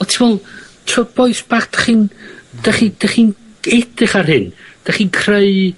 ...a t'me'wl bois bach 'dych chi'n 'dych chi 'dych chi'n edrych ar hyn, 'dych chi'n creu...